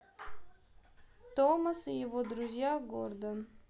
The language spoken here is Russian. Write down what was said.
томас и его друзья гордон